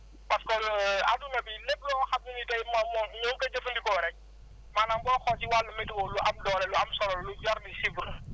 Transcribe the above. pàarce que adduna bi lépp loo xam ne ni tey moom ñoo ngi koy jëfandikoo rek maanaam booy xool ci wàllu météo lu am doole lu am solo lu jar di suivre